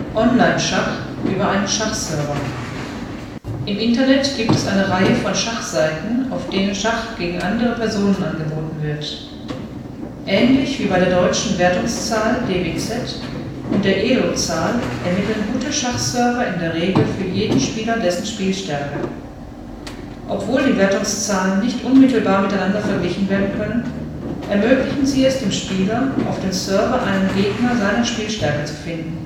Online-Schach über einen Schachserver: Im Internet gibt es eine Reihe von Schachseiten, auf denen Schach gegen andere Personen angeboten wird. Ähnlich wie bei der Deutschen Wertungszahl (DWZ) und der ELO-Zahl ermitteln gute Schachserver in der Regel für jeden Spieler dessen Spielstärke. Obwohl die Wertungszahlen nicht unmittelbar miteinander verglichen werden können, ermöglichen sie es dem Spieler, auf dem Server einen Gegner seiner Spielstärke zu finden